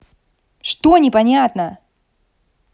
что непонятно